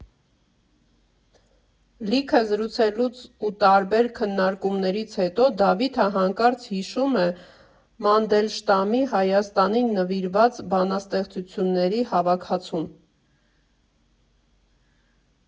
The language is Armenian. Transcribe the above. Լիքը զրուցելուց ու տարբեր քննարկումներից հետո Դավիթը հանկարծ հիշում է Մանդելշտամի՝ Հայաստանին նվիրված բանաստեղծությունների հավաքածուն։